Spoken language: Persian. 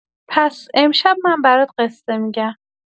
پس امشب من برات قصه می‌گم.